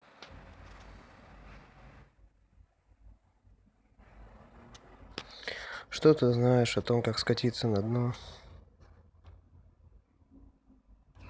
что ты знаешь о том как скатиться на дно